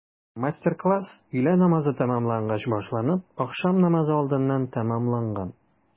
Мастер-класс өйлә намазы тәмамлангач башланып, ахшам намазы алдыннан тәмамланган.